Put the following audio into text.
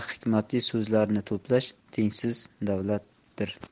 hikmatli so'zlarni to'plash tengsiz davlatdir